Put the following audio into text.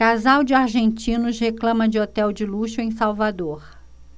casal de argentinos reclama de hotel de luxo em salvador